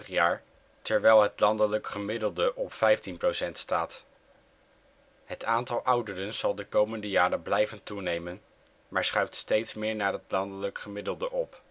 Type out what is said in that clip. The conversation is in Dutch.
jaar, terwijl het landelijk gemiddelde op 15 % staat. Het aantal ouderen zal komende jaren blijven toenemen, maar schuift steeds meer naar het landelijk gemiddelde op